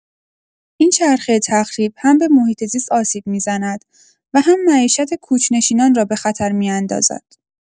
این چرخه تخریب، هم به محیط‌زیست آسیب می‌زند و هم معیشت کوچ‌نشینان را به خطر می‌اندازد.